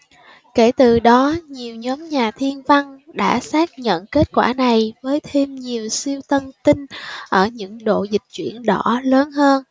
kể từ đó nhiều nhóm nhà thiên văn đã xác nhận kết quả này với thêm nhiều siêu tân tinh ở những độ dịch chuyển đỏ lớn hơn